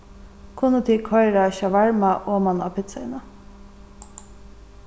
kunnu tit koyra shawarma oman á pitsuna